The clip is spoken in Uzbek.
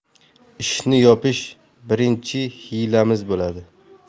ishni yopish birinchi hiylamiz bo'ladi